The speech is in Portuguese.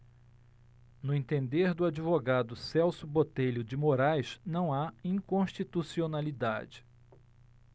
no entender do advogado celso botelho de moraes não há inconstitucionalidade